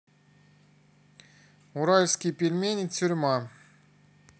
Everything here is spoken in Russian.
уральские пельмени тюрьма